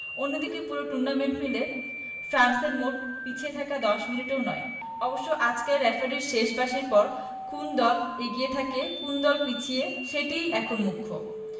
অন্যদিকে পুরো টুর্নামেন্ট মিলে ফ্রান্সের মোট পিছিয়ে থাকা ১০ মিনিটও নয় অবশ্য আজকের রেফারির শেষ বাঁশির পর কোন দল এগিয়ে থাকে কোন দল পিছিয়ে সেটিই এখন মুখ্য